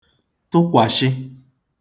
tụkwàshị